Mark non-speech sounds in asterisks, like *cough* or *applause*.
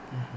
*hesitation* *hesitation*